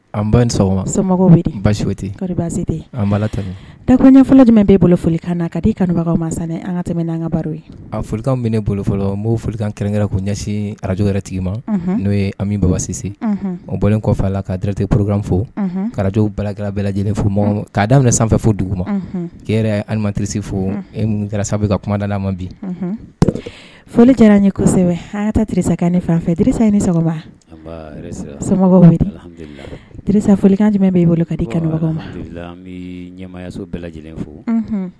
An ba basi daɲafa bɛ bolo foli kan ka dibaga ma an ka an ka ye a folikan bɛ ne bolofɔlɔ n'o folikan kɛrɛnkɛ ko ɲɛsin araj yɛrɛ tigi ma n'o ye anse o bɔlen kɔfa la kate porokanfo kaj bala bɛɛ lajɛlen fo ma ka daminɛ sanfɛfo dugu ma kɛra alilimatirise fo kɛra sababu ka kumada bi foli diyara an ɲɛ kosɛbɛ hata ti nefɛ ne folikan bɛ e bolo ka di ma fo